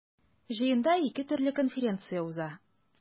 Җыенда ике төрле конференция уза.